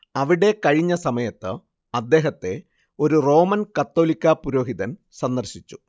അവിടെ കഴിഞ്ഞ സമയത്ത് അദ്ദേഹത്തെ ഒരു റോമൻ കത്തോലിക്കാ പുരോഹിതൻ സന്ദർശിച്ചു